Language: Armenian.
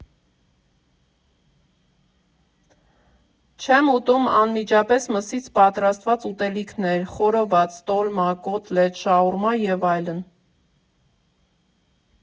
Չեմ ուտում անմիջապես մսից պատրաստված ուտելիքներ՝ խորոված, տոլմա, կոտլետ, շաուրմա և այն։